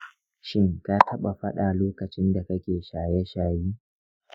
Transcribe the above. shin ka taba faɗa lokacin da kake shaye-shaye?